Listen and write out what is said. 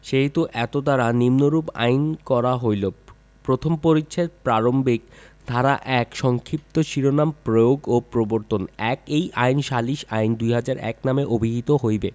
সেইহেতু এতদ্বারা নিম্নরূপ আইন করা হইল প্রথম পরিচ্ছেদ প্রারম্ভিক ধারা ১ সংক্ষিপ্ত শিরোনাম প্রয়োগ ও প্রবর্তন ১ এই আইন সালিস আইন ২০০১ নামে অভিহিত হইবে